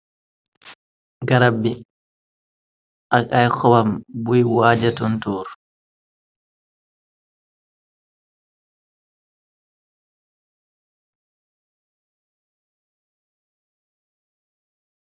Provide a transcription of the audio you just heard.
garab bi ak ay xowam buy waajatontoor.